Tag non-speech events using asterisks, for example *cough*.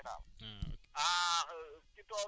ah kon moom ak ar-ar bi yëpp si gerte la ñu gën a *hesitation*